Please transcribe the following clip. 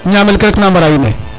ñamel ke rek na mbara yo wiin we